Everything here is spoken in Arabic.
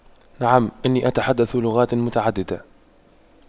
نعم إني أتحدث لغات متعددة